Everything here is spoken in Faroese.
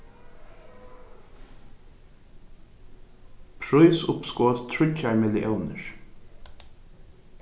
prísuppskot tríggjar milliónir